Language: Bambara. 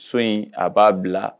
So in a b'a bila